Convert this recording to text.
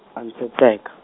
a ni se teka.